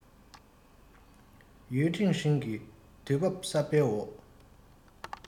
ཡུས ཀྲེང ཧྲེང གིས དུས བབ གསར པའི འོག